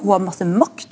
ho har masse makt.